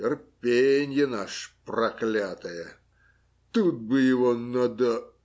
Терпенье наше проклятое! Тут бы его надо.